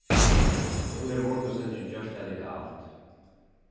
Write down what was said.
nú hevur morgunsendingin gjørt tað legalt